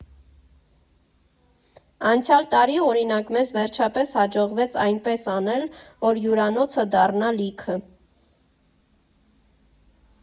Անցյալ տարի, օրինակ, մեզ վերջապես հաջողվեց այնպես անել, որ հյուրանոցը դառնա լիքը։